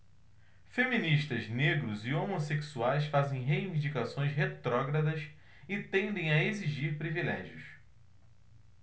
feministas negros e homossexuais fazem reivindicações retrógradas e tendem a exigir privilégios